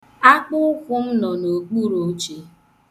Akpụụkwụ m nọ n'okpuru oche.